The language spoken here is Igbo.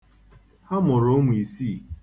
Ha mụrụ ụmụ isii.